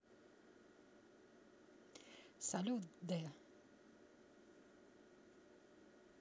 салют д